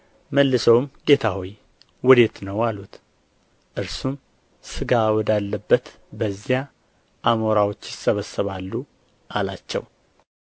መልሰውም ጌታ ሆይ ወዴት ነው አሉት እርሱም ሥጋ ወዳለበት በዚያ አሞራዎች ይሰበሰባሉ አላቸው